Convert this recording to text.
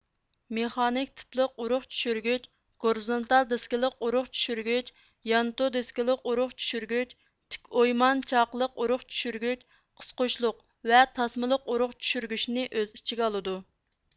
مېخانىك تىپلىق ئۇرۇق چۈشۈرگۈچ گورىزۇنتال دىسكىلىق ئۇرۇق چۈشۈرگۈچ يانتۇ دېسكىلىق ئۇرۇق چۈشۈرگۈچ تىك ئويمان چاقلىق ئۇرۇق چۈشۈرگۈچ قىسقۇچلۇق ۋە تاسمىلىق ئۇرۇق چۈشۈرگۈچنى ئۆز ئىچىگە ئالىدۇ